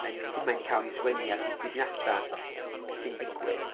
Yn sut mae hi 'di cael ei sgwennu, a'r digwyddiadau sy'n digwydd.